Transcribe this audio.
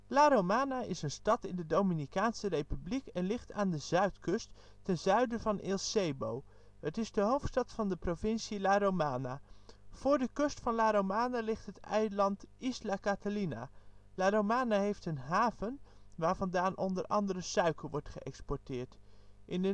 La Romana is een stad in de Dominicaanse Republiek en ligt aan de zuidkust, ten zuiden van El Seibo. Het is de hoofdstad van de provincie La Romana. Voor de kust van La Romana ligt het eiland Isla Catalina. La Romana heeft een haver, waar vandaan onder andere suiker wordt geëxporteerd. In